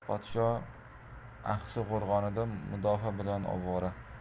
podsho axsi qo'rg'onida mudofaa bilan ovora